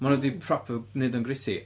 Mae nhw 'di proper wneud o'n gritty.